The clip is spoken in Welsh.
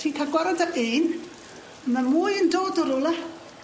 Ti'n ca'l gwared â un, ma' mwy yn dod o rwla.